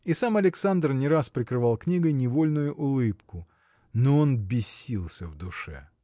и сам Александр не раз прикрывал книгой невольную улыбку. Но он бесился в душе.